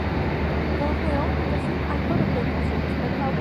Fel rheol, pan 'dach chi'n agor o Brakeout Rooms, mae pawb yn gweld neges ar eu